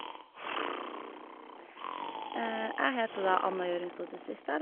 Jeg heter da Anna Jørgensdotter Svisdal.